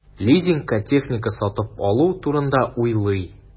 Лизингка техника сатып алу турында уйлый.